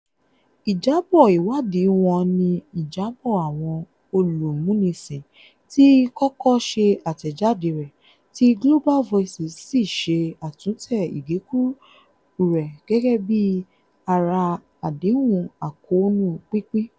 Ìjábọ̀ ìwádìí wọn ni Ìjábọ̀ Àwọn Olúmúnisìn ti kọ́kọ́ ṣe àtẹ̀jáde rẹ̀, tí Global Voices sì ṣe àtúntẹ̀ ìgékúrú rẹ̀ gẹ́gẹ́ bíi ara àdéhùn àkóónú pínpín.